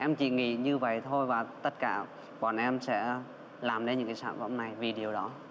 em chỉ nghĩ như vậy thôi và tất cả bọn em sẽ làm nên những cái sản phẩm này vì điều đó